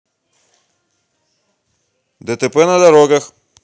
дтп на дорогах